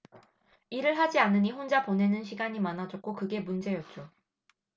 일을 하지 않으니 혼자 보내는 시간이 많아졌고 그게 문제였죠